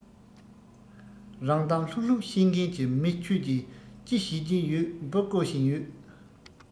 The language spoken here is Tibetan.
རང གཏམ ལྷུག ལྷུག བཤད མཁན གྱི མི ཁྱོད ཀྱིས ཅི བྱེད ཀྱིན ཡོད འབུ རྐོ བཞིན ཡོད